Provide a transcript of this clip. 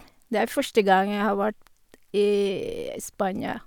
Det er første gang jeg har vært i Spania.